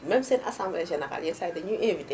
même seen assamblée générale yenn saa yi dañu ñuy invité